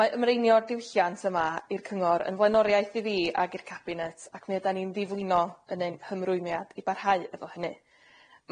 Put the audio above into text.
Mae ymreinio'r diwylliant yma i'r Cyngor yn flaenoriaeth i fi ag i'r Cabinet ac mi ydan ni'n ddiflino yn ein hymrwymiad i barhau efo hynny.